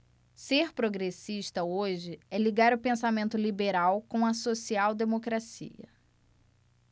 ser progressista hoje é ligar o pensamento liberal com a social democracia